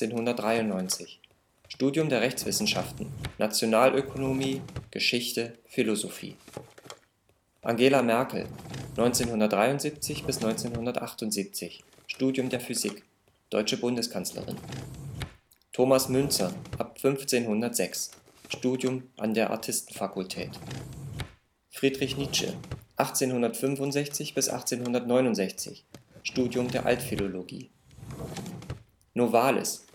1893, Studium Rechtswissenschaften, Nationalökonomie, Geschichte, Philosophie Angela Merkel, 1973 – 1978, Studium der Physik, deutsche Bundeskanzlerin Thomas Müntzer, ab 1506, Studium an der Artistenfakultät Friedrich Nietzsche, 1865 – 1869, Studium der Altphilologie Novalis